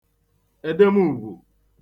èdemùgwù